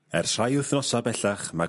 Ers rhai wythnosa bellach ma'...